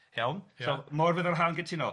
So Morfudd a'r haul yn cytuno